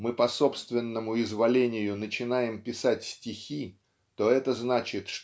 мы по собственному изволению начинаем писать стихи то это значит